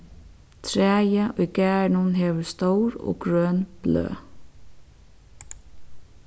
træið í garðinum hevur stór og grøn bløð